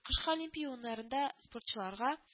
Кышкы Олимпия уыннарында спортчыларга